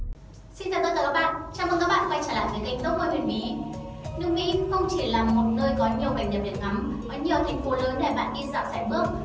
xin chào tất cả các bạn chào mừng các bạn quay trở lại với kênh top huyền bí nước mỹ không chỉ có cảnh đẹp để ngắm những thành phố rộng lớn để bạn sải bước đi dạo